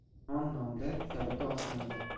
non nonda kaliti osmonda